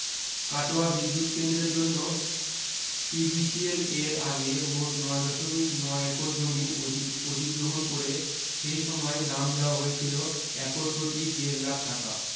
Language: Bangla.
কাটোয়া বিদ্যুত কেন্দ্রের জন্য পিবিসিএল এর আগে মোট নয় দশমিক নয় একর জমি অধিগ্রহণ করে সেই সময় দাম দেওয়া হয়েছিলো একর প্রতি দেড় লাখ টাকা